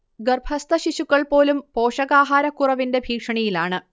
ഗർഭസ്ഥ ശിശുക്കൾ പോലും പോഷകാഹാരക്കുറവിന്റെ ഭീഷണിയിലാണ്